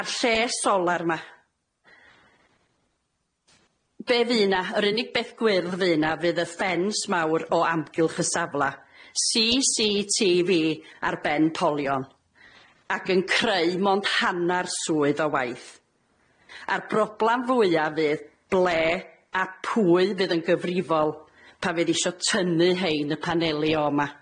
A'r lle solar ma' be' fu' na yr unig beth gwyrdd fu' na fydd y ffens mawr o amgylch y safla See See Tee Vee ar ben polion ac yn creu mond hannar swydd o waith a'r broblam fwya fydd ble' a pwy fydd yn gyfrifol pan fydd isio tynnu rhein y paneli o yma.